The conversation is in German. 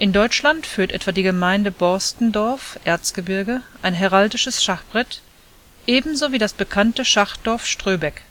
Deutschland führt etwa die Gemeinde Borstendorf/Erzgebirge ein heraldisches Schachbrett, ebenso wie das bekannte Schachdorf Ströbeck